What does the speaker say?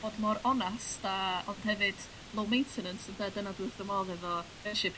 bod mor onast a ond hefyd low maintenance ynde dyna dwi wrth fy modd efo friendship